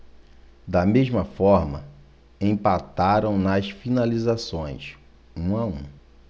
da mesma forma empataram nas finalizações um a um